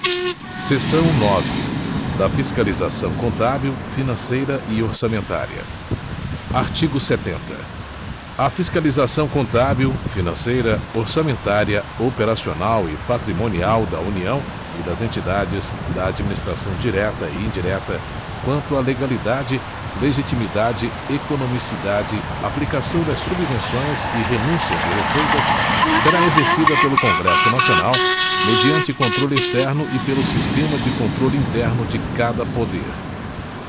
seção nove da fiscalização contábil financeira e orçamentária artigo setenta a fiscalização contábil financeira orçamentária operacional e patrimonial da união e das entidades da administração direta e indireta quanto à legalidade legitimidade economicidade aplicação das subvenções e renúncia de receitas será exercida pelo congresso nacional mediante controle externo e pelo sistema de controle interno de cada poder